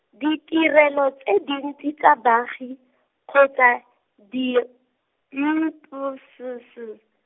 ditirelo tse dintsi tsa baagi, kgotsa di M P C C.